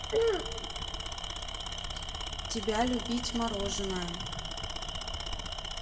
тебя любить мороженое